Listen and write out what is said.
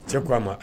Cɛ ko a ma